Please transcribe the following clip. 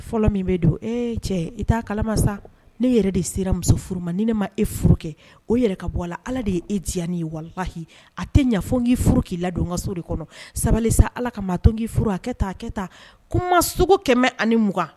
Fɔlɔ min don, ɛɛ cɛ i t'a kalama sa ne yɛrɛ de sera muso furu ma, ni ne ma e furu kɛ o yɛrɛ ka bɔ Ala de ye e diya ne ye, walalahi a tɛ ɲɛ fɔ k'i furu k'i ladon n kaso de kɔnɔ, sabali sa Ala ka ma, a to n k'i furu, a kɛ tan, a kɛ tan kuma sugu 100 ani 20